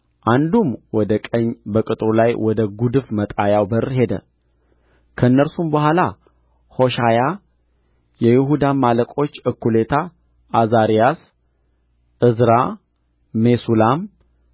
አንዱም ወደ ቀኝ በቅጥሩ ላይ ወደ ጕድፍ መጣያው በር ሄደ ከእነርሱም በኋላ ሆሻያ የይሁዳም አለቆች እኵሌታ ዓዛርያስ ዕዝራ ሜሱላም